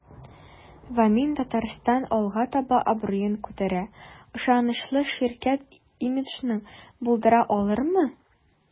"вамин-татарстан” алга таба абруен күтәрә, ышанычлы ширкәт имиджын булдыра алырмы?